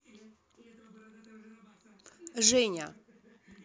женя